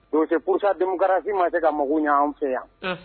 Don se kusa denkarasi ma se ka mugu ɲɛ anw fɛ yan